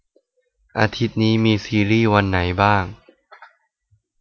อาทิตย์นี้มีซีรีย์วันไหนบ้าง